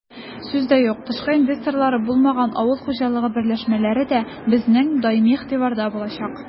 Сүз дә юк, тышкы инвесторлары булмаган авыл хуҗалыгы берләшмәләре дә безнең даими игътибарда булачак.